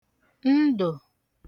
ndò